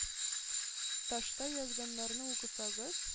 Ташта язганнарны укысагыз,